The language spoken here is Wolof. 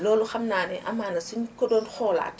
loolu xam naani amaana suñu ko doon xoolaat